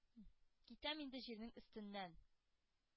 Китәм инде җирнең өстеннән.